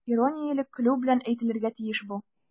Иронияле көлү белән әйтелергә тиеш бу.